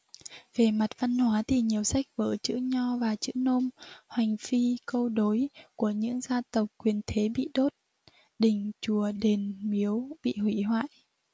về mặt văn hóa thì nhiều sách vở chữ nho và chữ nôm hoành phi câu đối của những gia tộc quyền thế bị đốt đình chùa đền miếu bị hủy hoại